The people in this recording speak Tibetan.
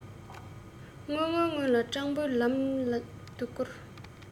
སྔོན སྔོན སྔོན ལ སྤྲང པོའི ལམ ཏུ སྐུར